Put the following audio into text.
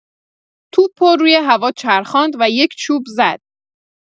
توپو روی هوا چرخاند و یک چوب زد